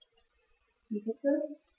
Wie bitte?